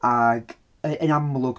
Ac yy yn amlwg